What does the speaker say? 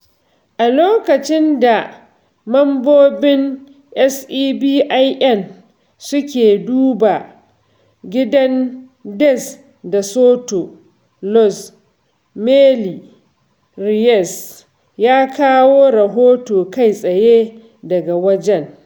[Cigaba] A lokacin da mambobin SEBIN suke duba gidan Diaz da Soto, Luz Mely Reyes ya kawo rahoto kai tsaye daga wajen.